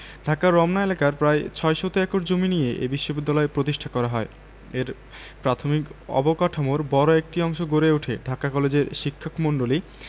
ঢাকার রমনা এলাকার প্রায় ৬০০ একর জমি নিয়ে এ বিশ্ববিদ্যালয় প্রতিষ্ঠা করা হয় এর প্রাথমিক অবকাঠামোর বড় একটি অংশ গড়ে উঠে ঢাকা কলেজের শিক্ষকমন্ডলী